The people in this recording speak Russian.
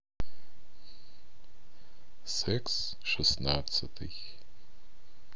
секс шестнадцатый